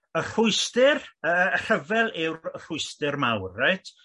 Y rhwysdyr y rhyfel yw'r rhwysdyr mawr reit